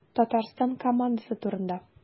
Татарстан командасы турында.